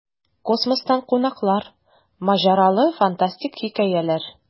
Космостан кунаклар: маҗаралы, фантастик хикәяләр.